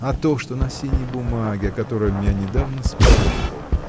— А то, что на синей бумаге, о котором я недавно спрашивал.